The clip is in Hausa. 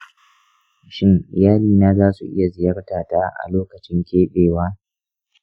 shin iyalina za su iya ziyartata a lokacin keɓewa ?